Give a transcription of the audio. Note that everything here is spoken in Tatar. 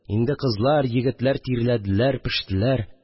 Инде кызлар, егетләр тирләделәр, пештеләр